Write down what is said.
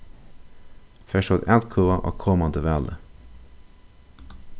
fert tú at atkvøða á komandi vali